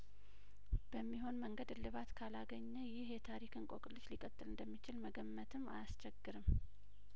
በሚሆን መንገድ እልባት ካላገኘ ይህ የታሪክ እንቆቅልሽ ሊቀጥል እንደሚችል መገመትም አያስቸግርም